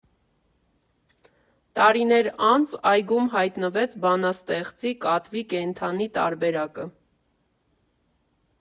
Տարիներ անց այգում հայտնվեց բանաստեղծի կատվի կենդանի տարբերակը։